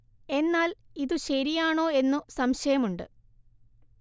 എന്നാല്‍ ഇതു ശരിയാണോ എന്നു സംശയമുണ്ട്